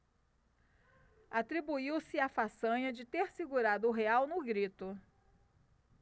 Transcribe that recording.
atribuiu-se a façanha de ter segurado o real no grito